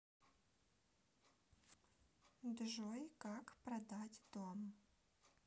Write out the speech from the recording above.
джой как продать дом